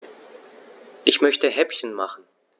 Ich möchte Häppchen machen.